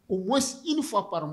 O wa i ni far ma